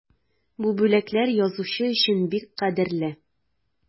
Бу бүләкләр язучы өчен бик кадерле.